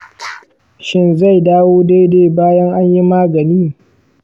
shin zai dawo daidai bayan anyi magani?